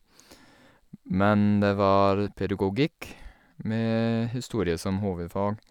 Men det var pedagogikk med historie som hovedfag.